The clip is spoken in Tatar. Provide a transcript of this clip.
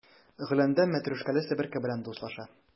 Гөләндәм мәтрүшкәле себерке белән дуслаша.